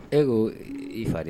E ko i fa de